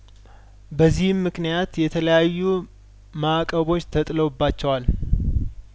በዚህም ምክንያት የተለያዩ ማእቀቦች ተጥለውባቸዋል